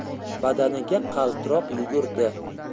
badaniga qaltiroq yugurdi